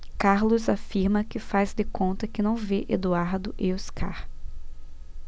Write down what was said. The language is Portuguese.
carlos afirma que faz de conta que não vê eduardo e oscar